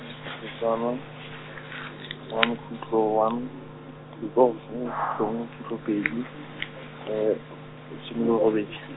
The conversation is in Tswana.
Setswana, one khutlo one, khutlo ng- , khutlo ng- khutlo pedi, some le borobedi.